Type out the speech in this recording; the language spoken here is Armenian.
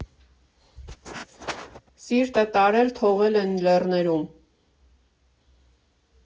Սիրտը տարել՝ թողել են լեռներում։